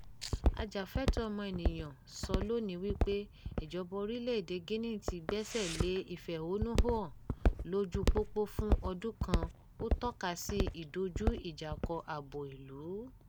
Human Rights Watch sọ lónìí wípé, ìjọba orílẹ̀-èdèe Guinea ti gbẹ́sẹ̀ lé ìfèhònúhàn l'ójúu pópó fún ọdún kan, ó tọ́ka sí ìdojú-ìjà-kọ ààbò ìlú.